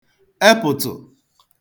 epụ̀tụ̀